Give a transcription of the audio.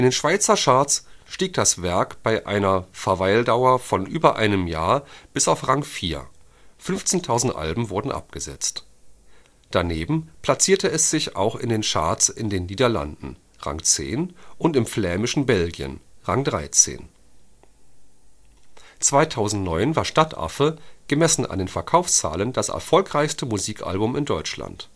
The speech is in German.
schweizer Charts stieg das Werk bei einer Verweildauer von über einem Jahr bis auf Rang 4, 15.000 Alben wurden abgesetzt. Daneben platzierte es sich auch in den Charts in den Niederlanden (Rang 10) und im flämischen Belgien (Rang 13). 2009 war Stadtaffe, gemessen an den Verkaufszahlen, das erfolgreichste Musikalbum in Deutschland